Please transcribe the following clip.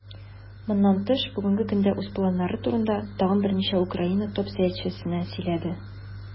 Моннан тыш, бүгенге көнгә үз планнары турында тагын берничә Украина топ-сәясәтчесе сөйләде.